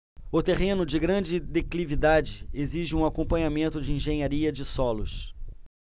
o terreno de grande declividade exige um acompanhamento de engenharia de solos